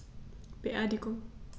Beerdigung